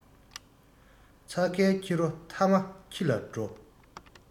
ཚྭ ཁའི ཁྱི རོ མཐའ མ ཁྱི ལ འགྲོ